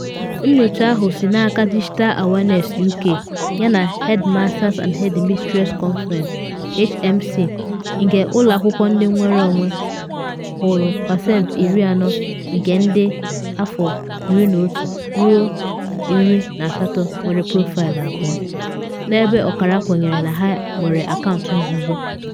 Nyocha ahụ, si n’aka Digital Awareness UK yana Headmasters” and Headmistresses” Conference (HMC) nke ụlọ akwụkwọ ndị nnwere onwe, hụrụ pasentị 40 nke ndị afọ 11 ruo 18 nwere profaịlụ abụọ, n’ebe ọkara kwenyere na ha nwere akaụntụ nzuzo.